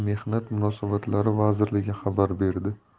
mehnat munosabatlari vazirligi xabar berdi